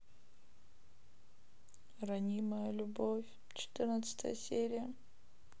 ранимая любовь четырнадцатая серия